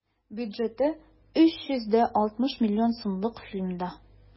Бюджеты 360 миллион сумлык фильмда.